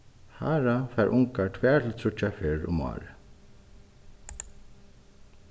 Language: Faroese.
hara fær ungar tvær til tríggjar ferðir um árið